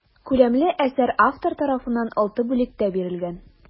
Күләмле әсәр автор тарафыннан алты бүлектә бирелгән.